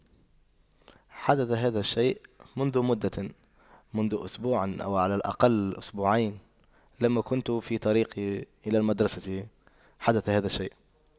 حدث هذا الشيء منذ مدة منذ أسبوعا أو على الأقل أسبوعين لما كنت في طريقي إلى المدرسة حدث هذا الشيء